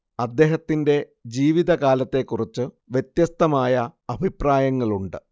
അദ്ദേഹത്തിന്റെ ജീവിതകാലത്തെക്കുറിച്ച് വ്യത്യസ്തമായ അഭിപ്രായങ്ങളുണ്ട്